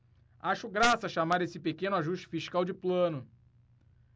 acho graça chamar esse pequeno ajuste fiscal de plano